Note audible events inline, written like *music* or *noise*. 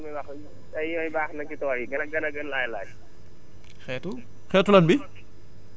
*hesitation* *hesitation* damay laaj ndaxte poson yooyu muy wax yooyu baax na ci tool yi ba la gën a gën laay laaj